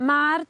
Ma'r